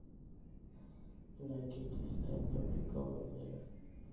Նա գիտի՞ սթենդափի կանոնները։